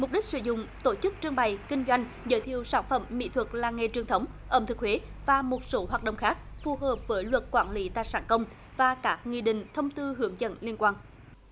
mục đích sử dụng tổ chức trưng bày kinh doanh giới thiệu sản phẩm mỹ thuật làng nghề truyền thống ẩm thực huế và một số hoạt động khác phù hợp với luật quản lý tài sản công và các nghị định thông tư hướng dẫn liên quan